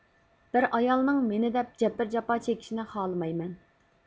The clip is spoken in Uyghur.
بىر ئايالنىڭ مېنى دەپ جەبىر جاپا چېكىشىنى خالىمايمەن